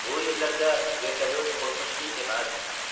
bu yerlarda vertolyot qo'rqinchli emas